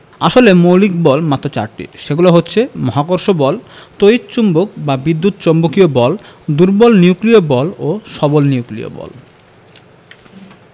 আসলে মৌলিক বল মাত্র চারটি সেগুলো হচ্ছে মহাকর্ষ বল তড়িৎ চৌম্বক বা বিদ্যুৎ চৌম্বকীয় বল দুর্বল নিউক্লিয় বল ও সবল নিউক্লিয় বল